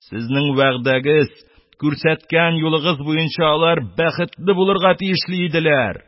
Сезнең вәгъдәгез, күрсәткән юлыгыз буенча алар бәхетле булырга тиешле иделәр!